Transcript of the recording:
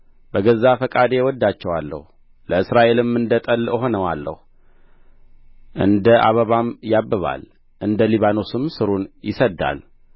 በገዛ ፈቃዴ እወድዳቸዋለሁ ለእስራኤልም እንደ ጠል እሆነዋለሁ እንደ አበባም ያብባል እንደ ሊባኖስም ሥሩን ይሰድዳል